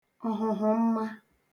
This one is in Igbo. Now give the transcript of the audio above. ọ̀hụ̀hụ̀mma